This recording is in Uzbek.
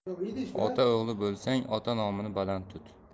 ota o'g'li bo'lsang ota nomini baland tut